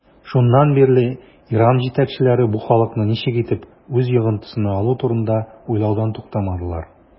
Шуннан бирле Иран җитәкчеләре бу халыкны ничек итеп үз йогынтысына алу турында уйлаудан туктамадылар.